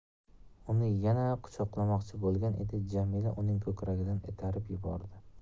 uni yana quchoqlamoqchi bo'lgan edi jamila uning ko'kragidan itarib yubordi